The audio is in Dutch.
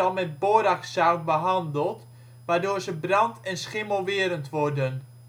met borax-zout behandeld waardoor ze brand - en schimmelwerend worden